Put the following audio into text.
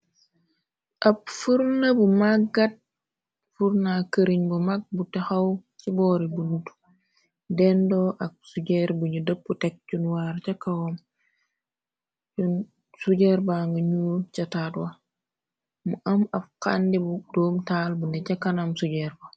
ab furna bu maggat furna këriñ bu mag bu texaw ci boori bund den doo ak sujeer buñu dëpp tekk cunwaar ca kawam sujeer bang ñu ca taatwa mu am ab xàndi bu doom taal bune ca kanam sujeer wa